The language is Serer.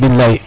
Bilay